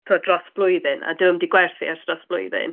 tibod, dros blwyddyn, a dyw e ddim 'di gwerthu ers dros blwyddyn.